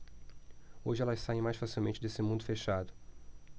hoje elas saem mais facilmente desse mundo fechado